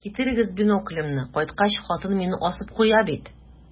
Китерегез биноклемне, кайткач, хатын мине асып куя бит.